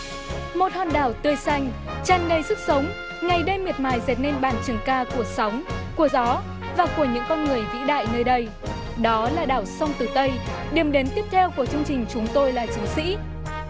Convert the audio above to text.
một hòn đảo tươi xanh tràn đầy sức sống ngày đêm miệt mài dệt nên bản trường ca của sóng của gió và của những con người vĩ đại nơi đây đó là đảo song tử tây điểm đến tiếp theo của chương trình chúng tôi là chiến sĩ